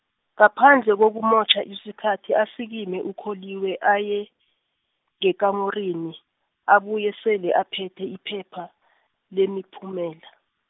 ngaphandle kokumotjha isikhathi asikime uKholiwe aye, ngekamurini, abuye sele aphethe iphepha, lemiphumela.